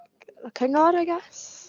y Cyngor I guess?